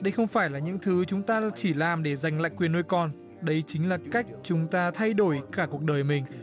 đây không phải là những thứ chúng ta chỉ làm để giành lại quyền nuôi con đấy chính là cách chúng ta thay đổi cả cuộc đời mình